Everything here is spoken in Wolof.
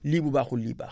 lii bu baaxul lii baax